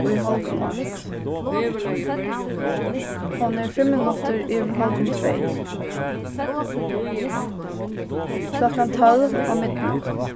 í hálvgum eitt hon er fimm minuttir yvir hálvgum tvey klokkan tólv á midnátt